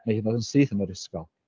neu hyd yn oed yn syth yn yr ysgol.